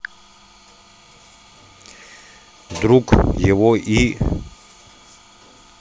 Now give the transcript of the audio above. друг его и